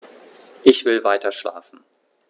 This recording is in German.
Ich will weiterschlafen.